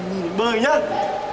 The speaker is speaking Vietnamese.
anh bơi nhá